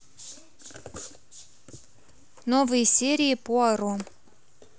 новые серии пуаро